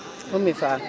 Oumy Fall